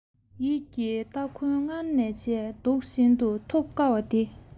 ཡིད ཀྱི སྟ གོན སྔར ནས བྱས འདུག ཤིན ཏུ ཐོབ དཀའ བ དེ